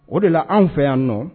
O de la anw fɛ yan nɔ